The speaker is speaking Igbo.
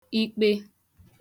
ikpe